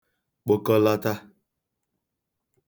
kpokọlọta